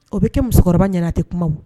O bɛ kɛ musokɔrɔba ɲɛna tɛ kuma